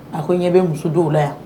A ko n ɲɛ bɛ musodenw la yan